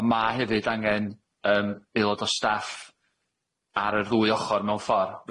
on' ma' hefyd angen yym aelod o staff ar y ddwy ochor mewn ffor